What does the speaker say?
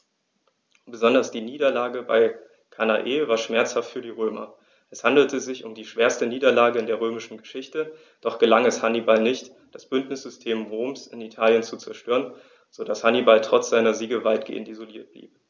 Besonders die Niederlage bei Cannae war schmerzhaft für die Römer: Es handelte sich um die schwerste Niederlage in der römischen Geschichte, doch gelang es Hannibal nicht, das Bündnissystem Roms in Italien zu zerstören, sodass Hannibal trotz seiner Siege weitgehend isoliert blieb.